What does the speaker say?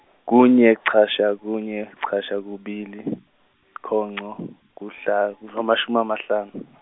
kunye chasha kunye chasha kubili kongco ngamashumi amahlanu.